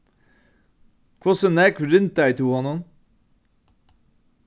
hvussu nógv rindaði tú honum